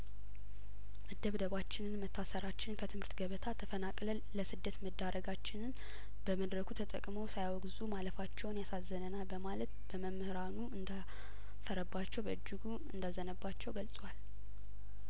መደብደባችንን መታሰራችንን ከትምህርት ገበታ ተፈናቅለን ለስደት መዳረጋችንን በመድረኩ ተጠቅመው ሳያወግዙ ማለፋቸውን ያሳዝነናል በማለት በመምህራኑ እንዳፈረባቸው በእጅጉ እንዳዘነባቸው ገልጿል